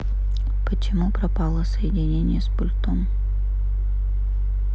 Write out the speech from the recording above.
почему пропало соединение с пультом